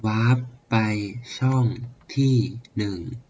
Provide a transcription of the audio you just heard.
วาปไปช่องที่หนึ่ง